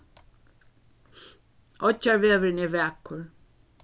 oyggjarvegurin er vakur